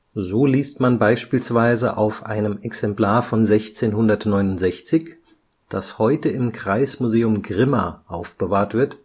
So liest man beispielsweise auf einem Exemplar von 1669, das heute im Kreismuseum Grimma aufbewahrt wird